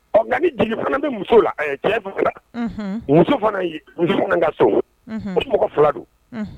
Ɔn nga ni jigi fana bɛ muso la ɛɛ cɛ muso fana la . muso ka so olu mɔgɔ fila don